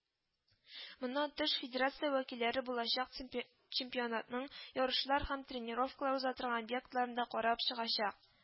Моннан тыш, федерация вәкилләре булачак цемпе чемпионатның ярышлар һәм тренировкалар уза торган объектларын да карап чыгачак: